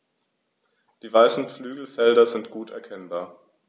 Die weißen Flügelfelder sind gut erkennbar.